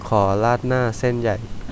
ขอราดหน้าเส้นใหญ่